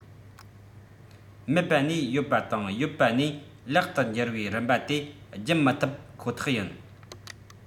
མེད པ ནས ཡོད པ དང ཡོད པ ནས ལེགས དུ གྱུར བའི རིམ པ དེ བརྒྱུད མི ཐུབ ཁོ ཐག ཡིན